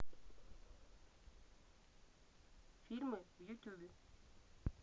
фильмы в ютубе